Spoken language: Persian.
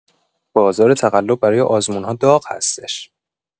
بازار تقلب برای آزمون‌‌ها داغ هستش!